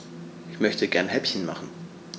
Ich möchte gerne Häppchen machen.